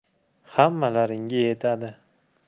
hammalaringga yetadi